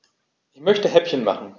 Ich möchte Häppchen machen.